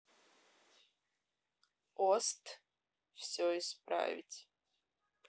ост все исправить